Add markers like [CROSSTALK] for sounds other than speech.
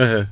[HESITATION] [HESITATION]